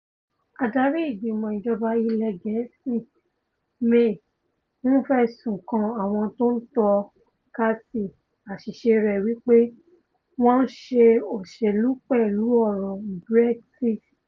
Adarí Ìgbìmọ̀ Ìjọba ilẹ̀ Gẹ̀ẹ́sì May ńfẹ̀sùn kan àwọn tó ńtọ́kasí àṣiṣe rẹ̀ wí pé wọ́n 'ńṣe òṣèlú' pẹlúi ọ̀rọ̀ Brexit